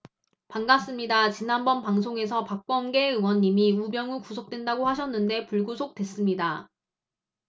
반갑습니다 지난번 방송에서 박범계 의원님이 우병우 구속된다고 하셨는데 불구속됐습니다